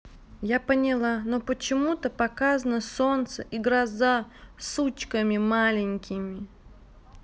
я поняла но почему то показано солнце и гроза сучками маленькими